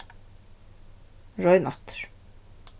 royn aftur